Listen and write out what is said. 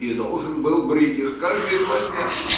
И должен был брить их каждые два дня,